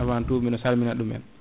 avant tout biɗa salmina ɗumen